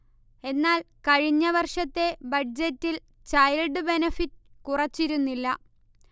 എന്നാൽ കഴിഞ്ഞ വർഷത്തെ ബഡ്ജറ്റിൽ ചൈൽഡ് ബെനഫിറ്റ് കുറച്ചിരുന്നില്ല